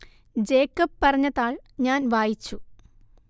Jacob പറഞ്ഞ താൾ ഞാൻ വായിച്ചു